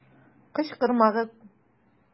Кычкырмагыз!